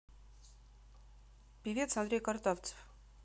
певец андрей картавцев